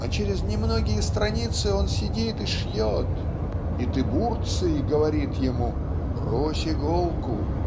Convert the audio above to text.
а через немногие страницы он сидит и шьет, и Тыбурций говорит ему "Брось иголку".